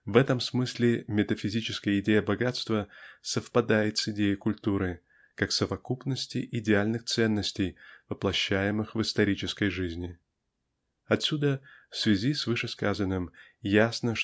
В этом смысле метафизическая идея богатства совпадает с идеей культуры как совокупности идеальных ценностей воплощаемых в исторической жизни. Отсюда в связи с вышесказанным ясно